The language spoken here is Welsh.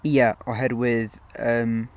Ie oherwydd yym...